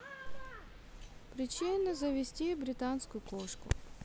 причины завести британскую кошку